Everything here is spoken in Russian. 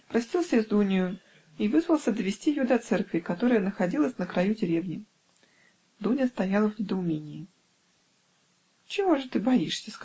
простился и с Дунею и вызвался довезти ее до церкви, которая находилась на краю деревни. Дуня стояла в недоумении. "Чего же ты боишься?